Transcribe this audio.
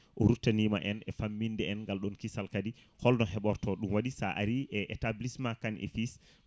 o rutta nima en e famminde en e galɗon kissal kadi holno heeɓorto ɗum waɗi sa ari e établissement Kane et fils